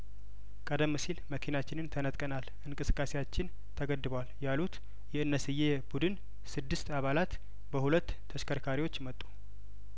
ቀደም ሲል መኪናችንን ተነጥ ቀናል እንቅስቃሴያችን ተገድቧል ያሉት የእነስዬ ቡድን ስድስት አባላት በሁለት ተሽከርካሪዎች መጡ